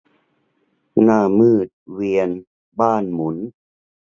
หน้ามืดเวียนบ้านหมุน